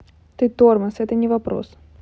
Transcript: ты тормоз это не вопрос